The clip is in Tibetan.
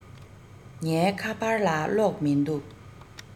ངའི ཁ པར ལ གློག མིན འདུག